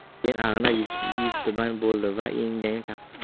keyin ag'anab yuztuban bo'ldi da